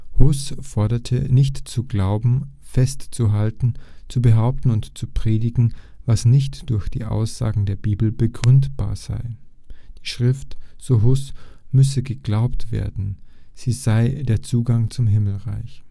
Hus forderte, nichts zu glauben, festzuhalten, zu behaupten und zu predigen, was nicht durch die Aussagen der Bibel begründbar sei. Die Schrift, so Hus, müsse geglaubt werden, sie sei der Zugang zum Himmelreich